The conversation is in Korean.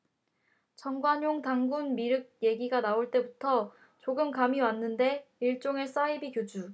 정관용 단군 미륵 얘기 나올 때부터 조금 감이 왔는데 일종의 사이비교주